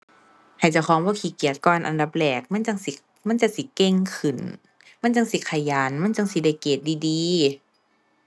ให้เจ้าของบ่ขี้เกียจก่อนอันดับแรกมันจั่งสิ มันจั่งสิเก่งขึ้น มันจั่งสิขยัน มันจั่งสิได้เกรดดีดี